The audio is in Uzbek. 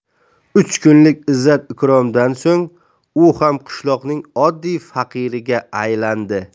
uch kunlik izzat ikromdan so'ng u ham qishloqning oddiy faqiriga aylandi